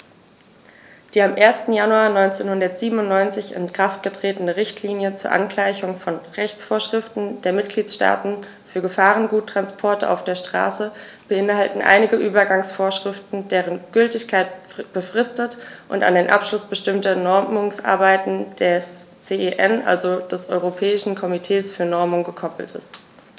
Die am 1. Januar 1997 in Kraft getretene Richtlinie zur Angleichung von Rechtsvorschriften der Mitgliedstaaten für Gefahrguttransporte auf der Straße beinhaltet einige Übergangsvorschriften, deren Gültigkeit befristet und an den Abschluss bestimmter Normungsarbeiten des CEN, also des Europäischen Komitees für Normung, gekoppelt ist.